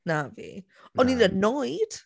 Na fi... na ... O'n i'n annoyed.